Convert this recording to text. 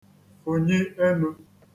fụ̀nyi enū